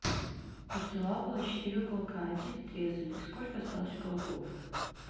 у стола было четыре уголка один отрезали сколько осталось уголков